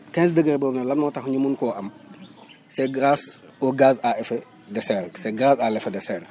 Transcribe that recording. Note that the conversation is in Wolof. quinze degré boobu nag lan moo tax ñu mun koo am c' est grâce au gaz à effet de serre c' grâce à l' effet de serre